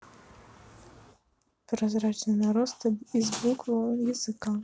прозрачный нарост из букву языка